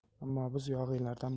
ammo biz yog'iylardan